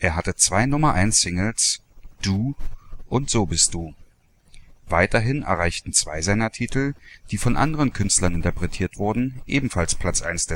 hatte zwei Nummer-eins-Singles, Du und So bist Du. Weiterhin erreichten zwei seiner Titel, die von anderen Künstlern interpretiert wurden, ebenfalls Platz 1